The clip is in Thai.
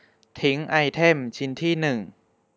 ทิ้งไอเทมชิ้นที่หนึ่ง